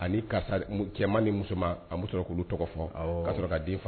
Cɛman ni muso a muso kulu tɔgɔ ka sɔrɔ ka den